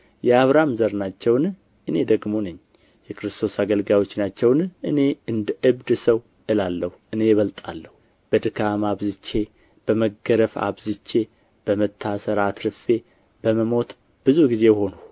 የአብርሃም ዘር ናቸውን እኔ ደግሞ ነኝ የክርስቶስ አገልጋዮች ናቸውን እንደ እብድ ሰው እላለሁ እኔ እበልጣለሁ በድካም አብዝቼ በመገረፍ አብዝቼ በመታሰር አትርፌ በመሞት ብዙ ጊዜ ሆንሁ